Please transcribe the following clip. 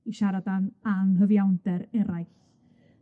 i siarad am anghyfiawnder eraill.